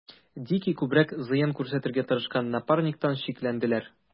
Дикий күбрәк зыян күрсәтергә тырышкан Напарниктан шикләнделәр.